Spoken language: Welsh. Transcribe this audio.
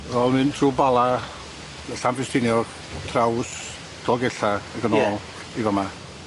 O'dd o'n mynd trw Bala Llanfestiniog traws Dolgella ag... Ie. ...yn ôl i fa' 'ma.